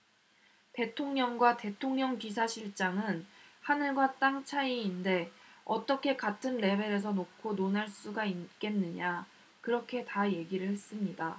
대통령과 대통령 비서실장은 하늘과 땅 차이인데 어떻게 같은 레벨에서 놓고 논할 수가 있겠느냐 그렇게 다 얘기를 했습니다